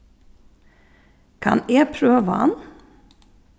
kann eg prøva hann